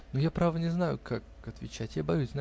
Но я, право, не знаю, как отвечать; я боюсь.